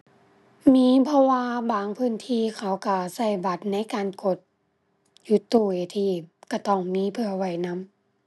มี เพราะว่าบางพื้นที่เขาก็ก็บัตรในการกด อยู่ตู้ ATM ก็ต้องมีเผื่อไว้นำ